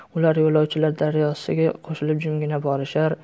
ular yo'lovchilar daryosiga qo'shilib jimgina borishar